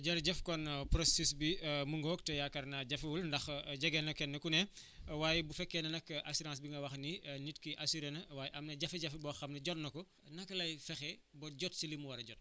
jërëjëf kon processus bi mu ngóog te yaakaar naa jafewul ndax jege na kenn ku ne waaye bu fekkee ne nag assurance bi nga wax ni nit ki assurer na waaye am na jafe-jafe boo xam ne jot na ko naka lay fexe ba jot si li mu war a jot